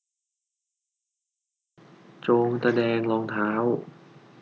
จงแสดงรองเท้า